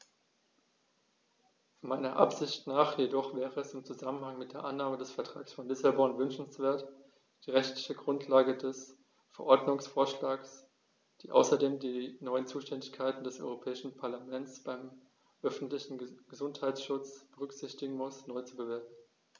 Meiner Ansicht nach jedoch wäre es im Zusammenhang mit der Annahme des Vertrags von Lissabon wünschenswert, die rechtliche Grundlage des Verordnungsvorschlags, die außerdem die neuen Zuständigkeiten des Europäischen Parlaments beim öffentlichen Gesundheitsschutz berücksichtigen muss, neu zu bewerten.